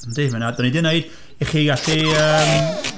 Yndy. Mae 'na... dan ni 'di wneud... i chi allu yym....